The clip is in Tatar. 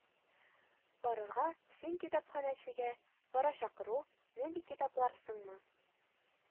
Барырга син китапханəгə барачакыру, нинди китаплар сыңмы